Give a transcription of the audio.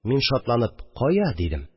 Мин шатланып: «Кая?» – дидем